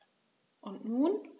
Und nun?